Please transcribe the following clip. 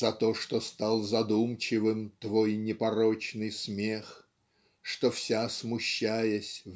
За то, что стал задумчивым твой непорочный смех. Что вся смущаясь